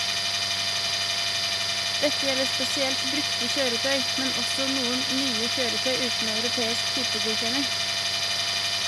Dette gjelder spesielt brukte kjøretøy , men også noen nye kjøretøy uten europeisk typegodkjenning.